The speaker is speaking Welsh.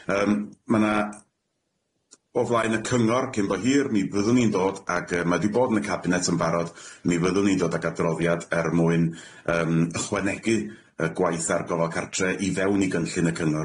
Yym ma' 'na, o flaen y cyngor cyn bo' hir mi fyddwn ni'n dod ag yy ma' 'di bod yn y cabinet yn barod, mi fyddwn ni'n dod ag adroddiad er mwyn yym ychwanegu y gwaith ar gofal cartre i fewn i gynllun y cyngor.